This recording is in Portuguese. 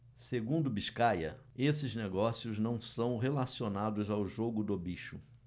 segundo biscaia esses negócios não são relacionados ao jogo do bicho